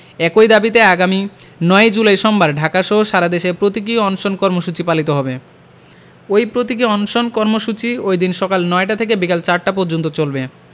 একই দাবিতে আগামী ৯ জুলাই সোমবার ঢাকাসহ সারাদেশে প্রতীকী অনশন কর্মসূচি পালিত হবে ওই প্রতীকী অনশন কর্মসূচিটি ওইদিন সকাল ৯টা থেকে বিকেল ৪টা পর্যন্ত চলবে